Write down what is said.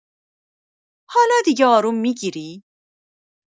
حالا دیگه آروم می‌گیری؟